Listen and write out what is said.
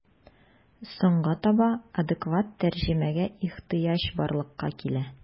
Соңга таба адекват тәрҗемәгә ихҗыяҗ барлыкка килә.